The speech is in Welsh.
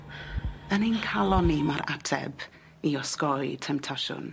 Yn ein calon ni ma'r ateb i osgoi temtasiwn.